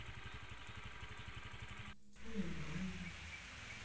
а нормально